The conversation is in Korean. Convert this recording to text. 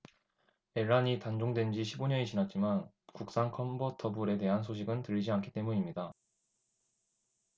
엘란이 단종된 지 십 오 년이 지났지만 국산 컨버터블에 대한 소식은 들리지 않기 때문입니다